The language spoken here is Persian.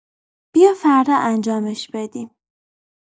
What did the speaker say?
بیا فردا انجامش بدیم.